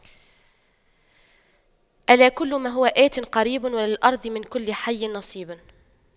ألا كل ما هو آت قريب وللأرض من كل حي نصيب